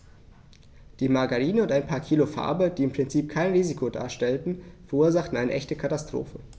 Die Margarine und ein paar Kilo Farbe, die im Prinzip kein Risiko darstellten, verursachten eine echte Katastrophe.